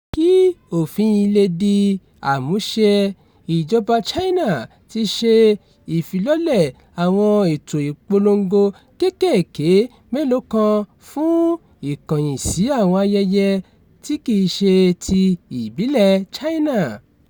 Kí òfin yìí lè di àmúṣẹ, ìjọba China ti ṣe ìfilọ́lẹ̀ àwọn ètò ìpolongo kéékèèké mélòó kan fún ìkọ̀yìn sí àwọn ayẹyẹ tí kì í ṣe ti ìbílẹ̀ China.